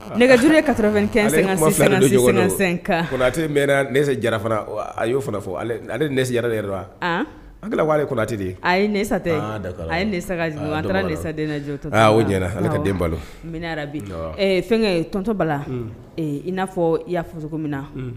Nɛgɛje katɛse jarafa a y'o fɔ alese yɛrɛ yɛrɛ wa atɛ de asatɛsa taarasaj ale den n bi fɛn tɔnto bala i na fɔ yafaso min na